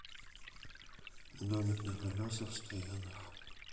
домик на колесах стоянов